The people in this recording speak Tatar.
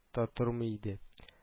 Та тормый иде